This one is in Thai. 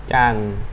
จันทร์